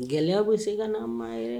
Gɛlɛyaw bɛ se ka n'a ma yɛrɛ